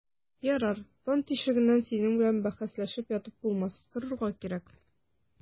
Ярар, таң тишегеннән синең белән бәхәсләшеп ятып булмас, торырга кирәк.